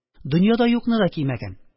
Дөньяда юкны да кимәгән